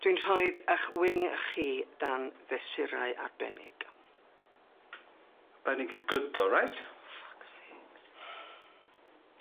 Dwi'n rhoid 'ych wing chi dan fesurau arbennig. 'Bennig is good though, right? Fuck's sakes.